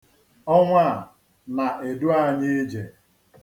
Ọnwa a na-edu anyi ije.